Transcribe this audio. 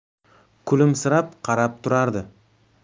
kulimsirab qarab turardi